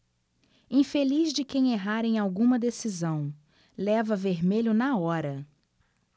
infeliz de quem errar em alguma decisão leva vermelho na hora